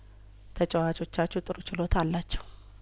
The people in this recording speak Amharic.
ተጨዋቾ ቻችሁ ጥሩ ችሎታ አላቸው